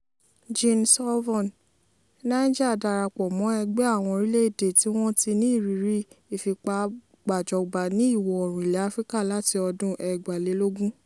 Jean Sovon (JS): Niger darapọ̀ mọ́ ẹgbẹ́ àwọn orílẹ̀-èdè tí wọ́n ti ní ìrírí ìfipágbàjọba ní Ìwọ̀-oòrùn ilẹ̀ Áfíríkà láti ọdún 2020.